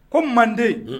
Ko manden. Un!